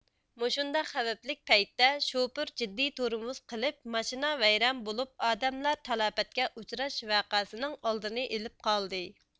مۇشۇنداق خەۋپلىك پەيتتە شوپۇر جىددىي تورمۇز قىلىپ ماشىنا ۋەيران بولۇپ ئادملەر تالاپەتكە ئۇچراش ۋەقەسىنىڭ ئالدىنى ئېلىپ قالدى